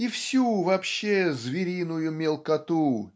и всю вообще "звериную мелкоту"